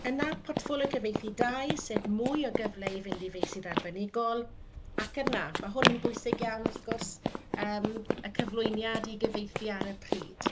Yna portffolio cyfieithu dau sef mwy o gyfle i fynd i feysydd arbenigol ac yna, ma' hwn yn bwysig iawn wrth gwrs, yym y cyflwyniad i gyfieithu ar y pryd.